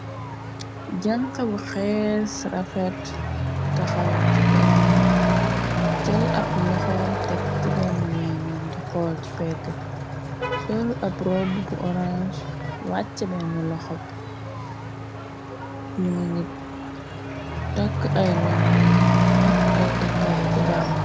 Janxa bu xees rafet taxaw ci peron be gël ab loxom tekk ci benn weenam di xool ci peggr sool ab rob bu orance wàcc benn loxowe nuo ngi takk ay long long ak ay takkaay ci baad bi.